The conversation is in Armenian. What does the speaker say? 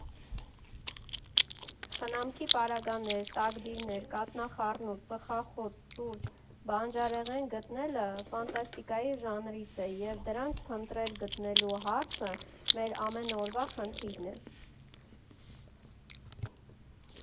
Խնամքի պարագաներ, տակդիրներ, կաթնախառնուրդ, ծխախոտ, սուրճ, բանջարեղեն գտնելը ֆանտաստիկայի ժանրից է, և դրանք փնտրել֊գտնելու հարցը մեր ամեն օրվա խնդիրն է։